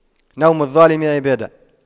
نوم الظالم عبادة